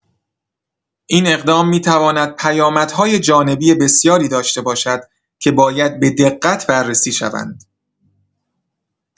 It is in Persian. این اقدام می‌تواند پیامدهای جانبی بسیاری داشته باشد که باید به‌دقت بررسی شوند.